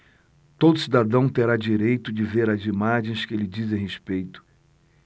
todo cidadão terá direito de ver as imagens que lhe dizem respeito